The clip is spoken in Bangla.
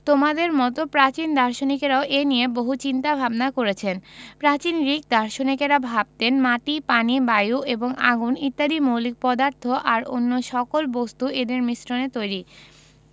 তোমাদের মতো প্রাচীন দার্শনিকেরাও এ নিয়ে বহু চিন্তা ভাবনা করেছেন প্রাচীন গ্রিক দার্শনিকেরা ভাবতেন মাটি পানি বায়ু এবং আগুন ইত্যাদি মৌলিক পদার্থ আর অন্য সকল বস্তু এদের মিশ্রণে তৈরি